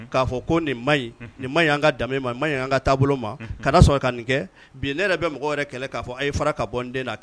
K'a fɔ ko nin ma ɲi nin ma y' ka ma ma y ka taabolo ma ka sɔrɔ ka nin kɛ bi ne yɛrɛ bɛ mɔgɔ wɛrɛ kɛlɛ k'a fɔ a ye fara ka bɔ n den